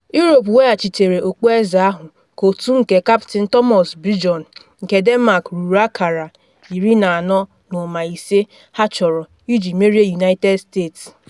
Europe weghachitere okpu eze ahụ ka otu nke kaptịn Thomas Bjorn nke Denmark ruru akara 14.5 ha chọrọ iji merie United States.